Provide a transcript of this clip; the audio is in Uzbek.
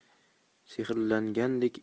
sevishganlar men bilan